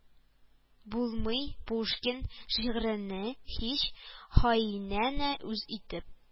Булмый Пушкин шигърене һич хаинанә үз итеп